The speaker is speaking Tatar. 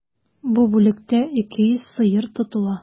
Бу бүлектә 200 сыер тотыла.